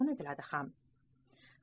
unutiladi ham